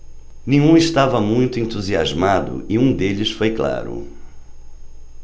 nenhum estava muito entusiasmado e um deles foi claro